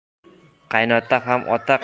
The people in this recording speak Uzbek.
qaynota ham ota